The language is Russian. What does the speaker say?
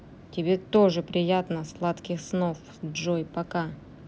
тебе тоже приятно сладких снов джой пока